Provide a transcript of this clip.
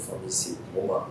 Fa bɛ se u ma.